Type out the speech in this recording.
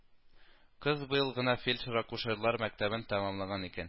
Кыз быел гына фельдшер-акушерлар мәктәбен тәмамлаган икән